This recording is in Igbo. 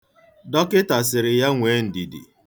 Dọkịta sịrị ya nwee ndidi.